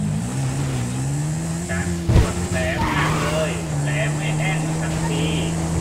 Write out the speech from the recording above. ฉันปวดแผลมากเลยแผลไม่แห้งสักที